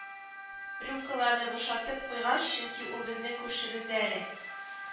Рюмкаларны бушатып куйгач,— чөнки ул безнең күршебез дә әле